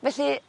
felly